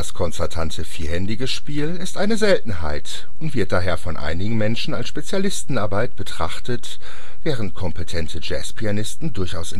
konzertante vierhändige Spiel ist eine Seltenheit und wird daher von einigen Menschen als Spezialistenarbeit betrachtet, während kompetente Jazzpianisten durchaus